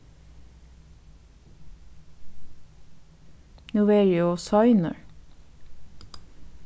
nú verði eg ov seinur